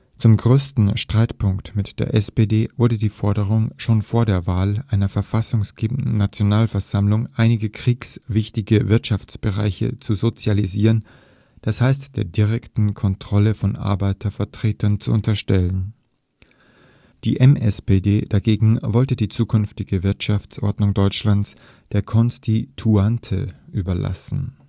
Zum größten Streitpunkt mit der SPD wurde die Forderung, schon vor der Wahl einer verfassunggebenden Nationalversammlung einige kriegswichtige Wirtschaftsbereiche zu sozialisieren, d. h. der direkten Kontrolle von Arbeitervertretern zu unterstellen. Die MSPD dagegen wollte die zukünftige Wirtschaftsordnung Deutschlands der Konstituante überlassen